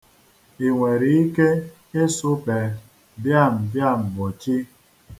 I nwere ike ịsụpe bịambịamgbochi?